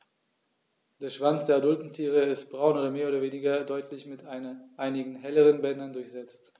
Der Schwanz der adulten Tiere ist braun und mehr oder weniger deutlich mit einigen helleren Bändern durchsetzt.